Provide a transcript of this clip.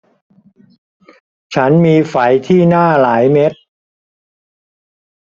ฉันมีไฝที่หน้าหลายเม็ด